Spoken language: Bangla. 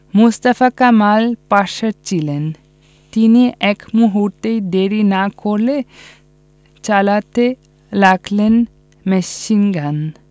মোস্তফা কামাল পাশেই ছিলেন তিনি এক মুহূর্তও দেরি না করে চালাতে লাগলেন মেশিনগান